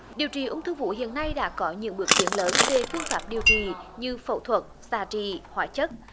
điều trị ung thư vú hiện nay đã có những bước tiến lớn về phương pháp điều trị như phẫu thuật xạ trị hóa chất